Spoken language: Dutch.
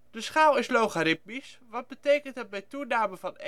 De schaal is logaritmisch, wat betekent dat bij toename van